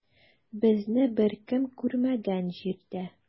Безне беркем күрмәгән җирдә.